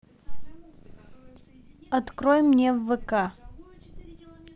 открой мне вк